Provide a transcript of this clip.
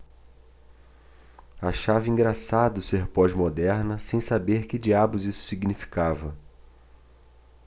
achava engraçado ser pós-moderna sem saber que diabos isso significava